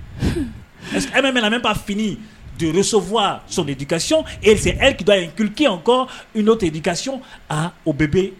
E fini donsosof sodi kaz kike kɔ n di ka o bɛ